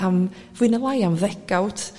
am fwy neu lai am ddegawd